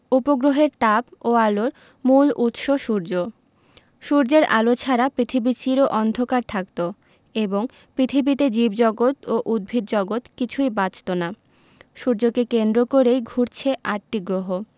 উপগ্রহের তাপ ও আলোর মূল উৎস সূর্য সূর্যের আলো ছাড়া পৃথিবী চির অন্ধকার থাকত এবং পৃথিবীতে জীবজগত ও উদ্ভিদজগৎ কিছুই বাঁচত না সূর্যকে কেন্দ্র করে ঘুরছে আটটি গ্রহ